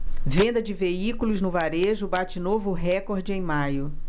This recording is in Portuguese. venda de veículos no varejo bate novo recorde em maio